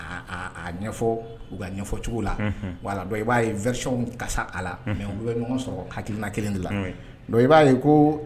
Ɲɛfɔ ka ɲɛfɔ la wala i b'a ye vw kasa a la mɛ u bɛ ɲɔgɔn sɔrɔ hakiliina kelen de la i b'a ye ko